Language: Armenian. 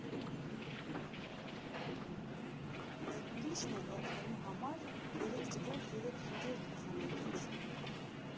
Մեկ ուրիշն էլ օգնելու համար երեք ձվով երեք խնձոր փոխանակեց։